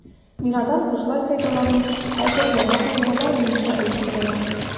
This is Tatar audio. Бинадан бушлай файдалану хәзер яңа кагыйдәләр буенча оештырыла.